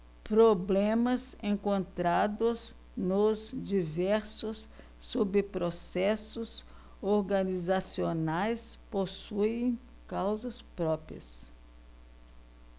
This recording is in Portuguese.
problemas encontrados nos diversos subprocessos organizacionais possuem causas próprias